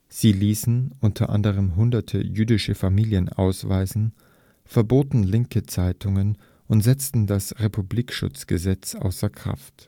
Sie ließen unter anderem hunderte jüdische Familien ausweisen, verboten linke Zeitungen und setzten das Republikschutzgesetz außer Kraft